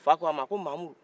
fa ko a ma ko mahamudu